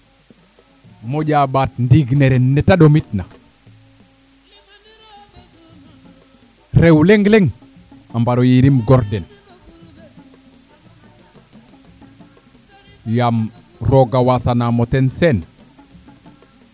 moƴa ɓaat ndiing ne ren neete ɗomit na rew leng leng a mbaro yirim gor den yaam rooga wasanaamo ten Sene